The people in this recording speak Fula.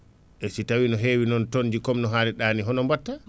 eyyi si tawi ne hewi noon toone ji comme no haalirɗani hono mbatta